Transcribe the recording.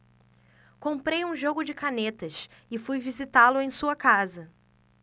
comprei um jogo de canetas e fui visitá-lo em sua casa